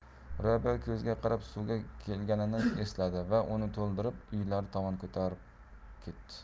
robiya ko'zaga qarab suvga kelganini esladi va uni to'ldirib uylari tomon ko'tarib ketdi